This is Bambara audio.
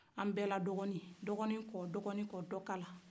bɛ la dɔgɔni kɔ dɔkala